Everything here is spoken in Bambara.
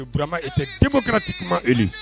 Ura e tɛ kɛra tɛ kuma e